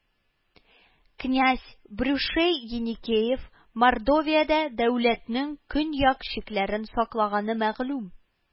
Князь брюшей еникеев мордовиядә дәүләтнең көньяк чикләрен саклаганы мәгълүм